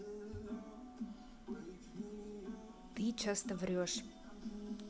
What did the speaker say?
ты часто врешь